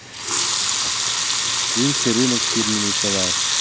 джинсы рынок фирменный товар